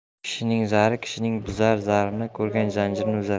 kishining zari kishini buzar zarni ko'rgan zanjirini uzar